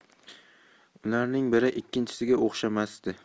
ularning biri ikkinchisga o'xshamasdi